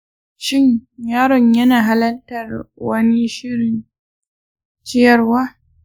shin yaron yana halartar wani shirin ciyarwa?